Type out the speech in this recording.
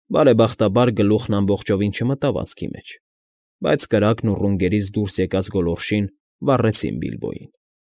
Բարեբախտաբար գլուխն ամբողջությամբ չմտավ անցքի մեջ, բայց կրակն ու ռունգներից դուրս եկած գոլորշին վառեցին Բիլբոյին։